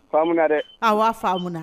Munna dɛ aw' faa munna